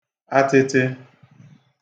atiti